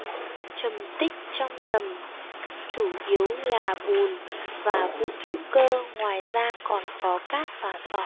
trầm tích trong đầm chủ yếu là bùn và vụn hữu cơ ngoài ra còn có cát và sỏi